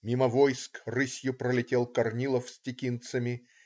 Мимо войск рысью пролетел Корнилов с текинцами.